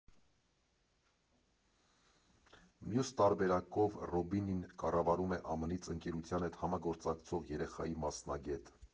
Մյուս տարբերակով Ռոբինին կառավարում է ԱՄՆ֊ից ընկերության հետ համագործակցող երեխայի մասնագետ։